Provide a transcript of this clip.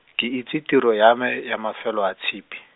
ke itse tiro ya me ya mafelo a tshipi.